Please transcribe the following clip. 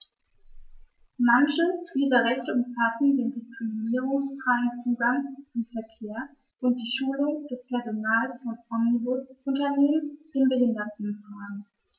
Manche dieser Rechte umfassen den diskriminierungsfreien Zugang zum Verkehr und die Schulung des Personals von Omnibusunternehmen in Behindertenfragen.